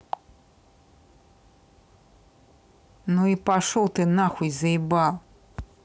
ну и пошел ты нахуй заебал